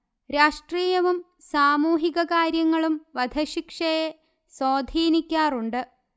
രാഷ്ട്രീയവും സാമൂഹിക കാര്യങ്ങളും വധശിക്ഷയെ സ്വാധീനിക്കാറുണ്ട്